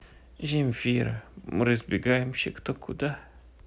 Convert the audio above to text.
земфира мы разбегаемся кто куда